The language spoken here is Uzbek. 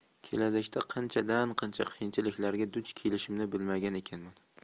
kelajakda qanchadan qancha qiyinchiliklarga duch kelishimni bilmagan ekanman